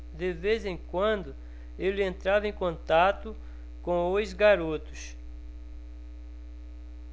de vez em quando ele entrava em contato com os garotos